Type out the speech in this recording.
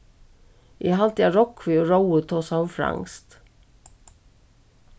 eg haldi at rógvi og rói tosaðu franskt